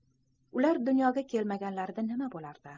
ular dunyoga kelmaganlarida nima bo'lardi